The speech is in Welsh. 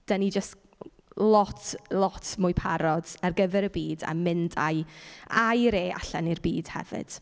Dan ni jyst lot, lot mwy parod ar gyfer y byd a mynd â'i air e allan i'r byd hefyd.